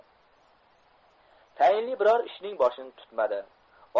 tayinli biron ishning boshini tutmadi